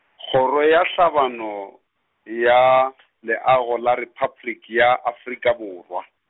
kgoro ya Tlhabano, ya Leago la Repabliki ya Afrika Borwa.